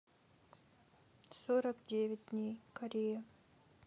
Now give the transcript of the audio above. сорок девять дней корея